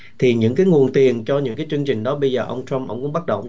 thì những cái nguồn tiền cho những cái chương trình đó bây giờ ông trăm ông cũng bắt đầu